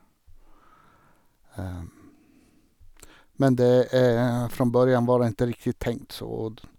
Men det fra början var det ikke riktig tenkt så dn.